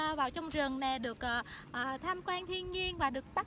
vào trong rừng nè được tham quan thiên nhiên và được bắt